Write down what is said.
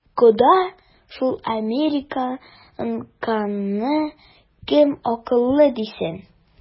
Кода, шул американканы кем акыллы дисен?